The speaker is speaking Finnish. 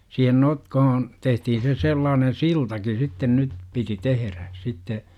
siihen notkoon tehtiin se sellainen siltakin sitten nyt piti tehdä sitten